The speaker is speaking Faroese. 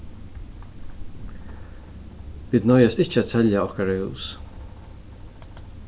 vit noyðast ikki at selja okkara hús